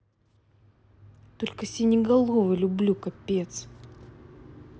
только синеголовый люблю капец